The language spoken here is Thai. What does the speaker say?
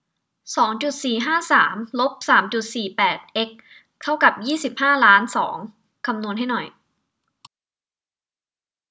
สองจุดสี่ห้าสามลบสามจุดสี่แปดเอ็กซ์เท่ากับยี่สิบห้าล้านสองคำนวณให้หน่อย